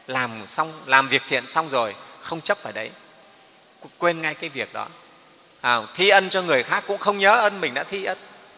làm việc thiện xong rồi không chấp vào đấy quên ngay cái việc đó thi ân cho người khác cũng không nhớ ân mình đã thi ân